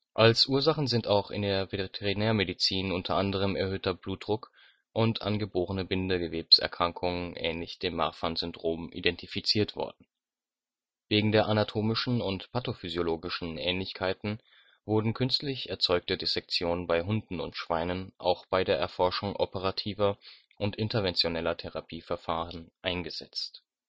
Als Ursachen sind auch in der Veterinärmedizin u. a. erhöhter Blutdruck und angeborene Bindegewebserkrankungen ähnlich dem Marfan-Syndrom identifiziert worden. Wegen der anatomischen und pathophysiologischen Ähnlichkeiten wurden künstlich erzeugte Dissektionen bei Hunden und Schweinen auch bei der Erforschung operativer und interventioneller Therapieverfahren eingesetzt